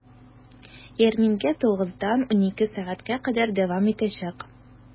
Ярминкә 9 дан 12 сәгатькә кадәр дәвам итәчәк.